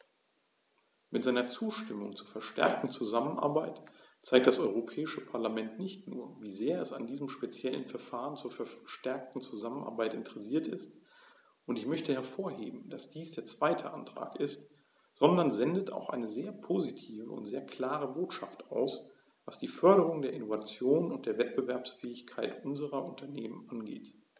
Mit seiner Zustimmung zur verstärkten Zusammenarbeit zeigt das Europäische Parlament nicht nur, wie sehr es an diesem speziellen Verfahren zur verstärkten Zusammenarbeit interessiert ist - und ich möchte hervorheben, dass dies der zweite Antrag ist -, sondern sendet auch eine sehr positive und sehr klare Botschaft aus, was die Förderung der Innovation und der Wettbewerbsfähigkeit unserer Unternehmen angeht.